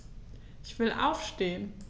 Ich will aufstehen.